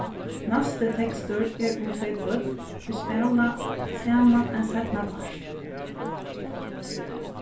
næsti tekstur er um tvey børn ið spæla saman ein seinnapart